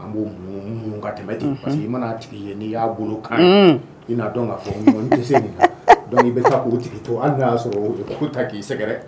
An b'o mumumu mu ka tɛmɛ ten. Unhun. . parce que i man'a tigi ye, n'i y'a bolo kan ye . Uun! I n'a dɔn ka fɔ ni kɔnni tɛ se k'i dan donc i bɛ ta k'o tigi to, hali n'a y'a sɔrɔ o o ye ko ta k'i sɛgɛrɛ